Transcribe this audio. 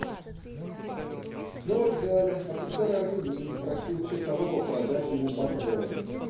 С. На вокзале офицер-армянин просил часового продать ему патроны.